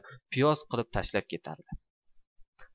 piyoz qilib tashlab kelardi